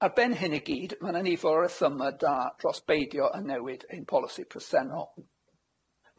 Ar ben hyn i gyd, ma' 'na nifer o rhesyma da dros beidio a newid ein polisi presennol.